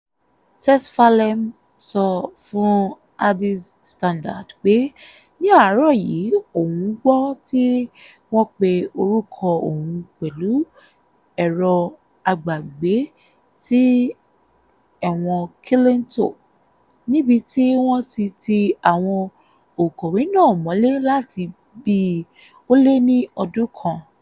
Tesfalem sọ fún Addis Standard pé ní àárọ̀ yìí òun gbọ́ tí wọ́n pé orúkọ òun pẹ̀lú ẹ̀rọ agbagbe ti Ẹ̀wọ̀n Kilinto, níbi tí wọ́n tí ti àwọn ọ̀ǹkọ̀wé náà mọ́lé láti bíi ó lé ní ọdún kan.